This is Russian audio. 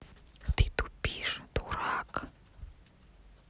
ты тупишь дурак